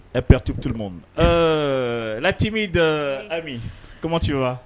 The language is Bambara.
Elle perturbe tout le monde euh la timide Ami comment tu vas